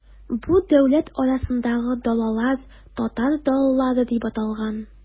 Бу дәүләт арасындагы далалар, татар далалары дип аталган.